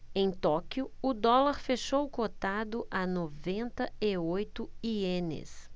em tóquio o dólar fechou cotado a noventa e oito ienes